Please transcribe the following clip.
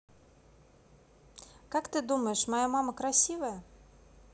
как ты думаешь моя мама красивая